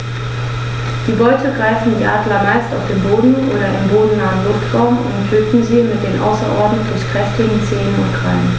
Die Beute greifen die Adler meist auf dem Boden oder im bodennahen Luftraum und töten sie mit den außerordentlich kräftigen Zehen und Krallen.